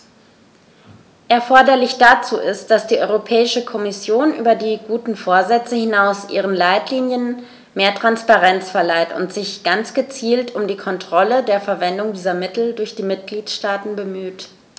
Erforderlich dazu ist, dass die Europäische Kommission über die guten Vorsätze hinaus ihren Leitlinien mehr Transparenz verleiht und sich ganz gezielt um die Kontrolle der Verwendung dieser Mittel durch die Mitgliedstaaten bemüht.